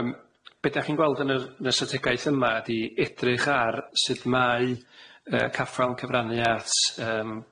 Yym be' 'da chi'n gweld yn yr yn y strategaeth yma ydi edrych ar sud mae yy caffal yn cyfrannu at yym